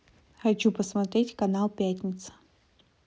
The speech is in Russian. хочу посмотреть канал пятница